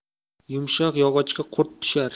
yumshoq yog'ochga qurt tushar